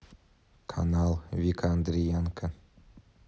канал вика андриенко